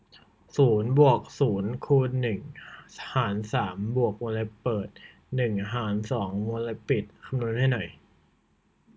ศูนย์บวกศูนย์คูณหนึ่งหารสามบวกวงเล็บเปิดหนึ่งหารสองวงเล็บปิดคำนวณให้หน่อย